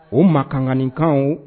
O makankanikan o